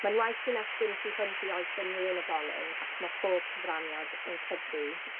Ma'n waith sy'n estyn hwnt i oes unryw unigolyn, ac ma' pob cyfraniad yn cyfri,